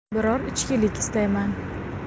biror ichgilik istayman